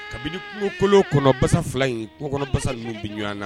Kabini kungo kolo kɔnɔ basa fila in kɔnɔsa ninnu bɛ ɲɔgɔn kan